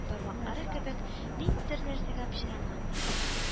Бармаклары кебек, ниндидер нәрсәгә пычранган иде